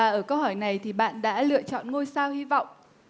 và ở câu hỏi này thì bạn đã lựa chọn ngôi sao hy vọng